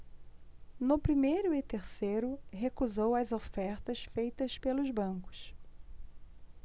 no primeiro e terceiro recusou as ofertas feitas pelos bancos